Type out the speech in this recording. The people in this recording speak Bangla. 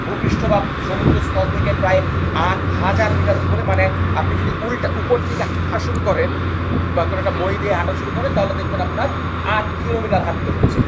ভূপৃষ্ঠ বা সমুদ্র স্থল থেকে প্রায় 8000 মিটার উপরে মানে আপনি যদি উল্টা উপর দিকে হাঁটা শুরু করেন বা কোন একটা মই দিয়ে হাঁটা শুরু করেন তাহলে দেখবেন আপনার 8 কিলোমিটার হাঁটা হচ্ছে